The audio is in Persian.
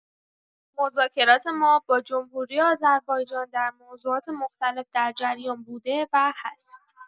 مذاکرات ما با جمهوری آذربایجان در موضوعات مختلف در جریان بوده و هست.